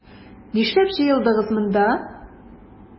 Нишләп җыелдыгыз монда?